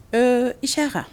Ɛɛ Isaka